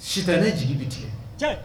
Si ne jigi bɛ tigɛ